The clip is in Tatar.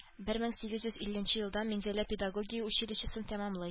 Бер мең сигез йөз илленче елда Минзәлә педагогия училищесын тәмамлый